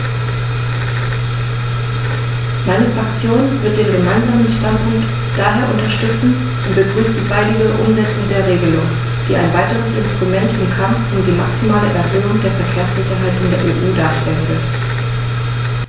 Meine Fraktion wird den Gemeinsamen Standpunkt daher unterstützen und begrüßt die baldige Umsetzung der Regelung, die ein weiteres Instrument im Kampf um die maximale Erhöhung der Verkehrssicherheit in der EU darstellen wird.